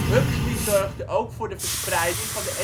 Huxley zorgde ook voor de verspreiding van de evolutietheorie